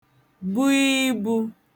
bui ibū